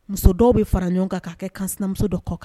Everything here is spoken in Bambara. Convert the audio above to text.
Muso dɔw bɛ fara ɲɔgɔn kan k'a kɛ kansinamuso dɔ kɔ kan